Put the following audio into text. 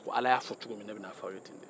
ko ala y'a fɔ cogo min ne bɛna a fɔ aw ye ten de